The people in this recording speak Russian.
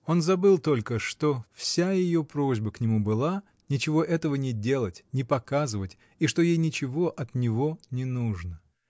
Он забыл только, что вся ее просьба к нему была — ничего этого не делать, не показывать, и что ей ничего от него не нужно.